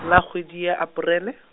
la kgwedi ya Aparele.